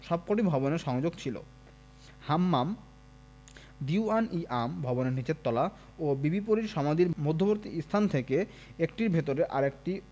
সবকটি ভবনের সংযোগ ছিল হাম্মাম দীউয়ান ই আম ভবনের নীচের তলা ও বিবি পরীর সমাধির মধ্যবর্তী স্থান থেকে একটির ভেতরে আরেকটি